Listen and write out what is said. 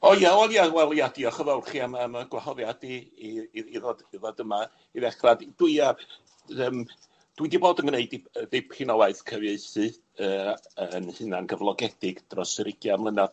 O ie, wel ia, wel ia, dioch yn fawr chi am am y gwahoddiad i i i i ddod i ddod yma i ddechra. Dwi arth- yym dwi 'di bod yn ymneud dip- yy dipyn o waith cyfieithu yy yn hunangyflogedig dros yr ugian mlynadd.